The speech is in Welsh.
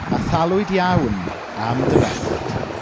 A thalwyd iawn am dy bechod.